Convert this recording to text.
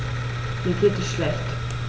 Mir geht es schlecht.